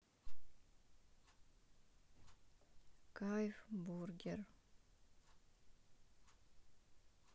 кайф бургер